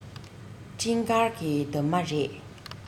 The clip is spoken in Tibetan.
སྤྲིན དཀར གྱི འདབ མ རེད